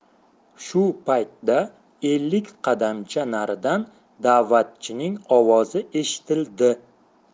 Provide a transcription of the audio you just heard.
shu paytda ellik qadamcha naridan da'vatchining ovozi eshitildi